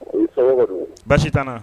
I so mɔgɔw dun? Basi tɛ na